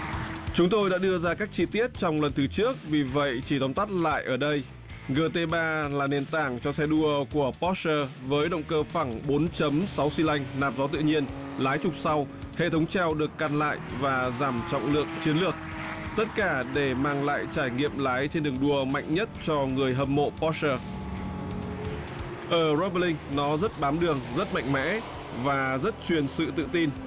chúng tôi đã đưa ra các chi tiết trong lần từ trước vì vậy chỉ tóm tắt lại ở đây gờ tê ba là nền tảng cho xe đua của bót sơ với động cơ phẳng bốn chấm sáu xi lanh nạp gió tự nhiên lái trục sau hệ thống treo được gặp lại và giảm trọng lượng chiến lược tất cả để mang lại trải nghiệm lái trên đường đua mạnh nhất cho người hâm mộ bót sơ ở dóp bơ linh nó rất bám đường rất mạnh mẽ và rất truyền sự tự tin